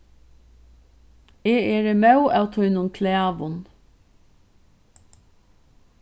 eg eri móð av tínum klagum